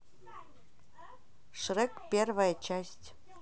шрек первая часть